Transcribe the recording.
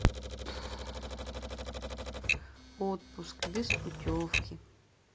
отпуск без путевки